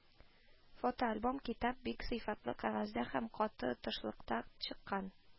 Фотоальбом-китап бик сыйфатлы кәгазьдә һәм каты тышлыкта чыккан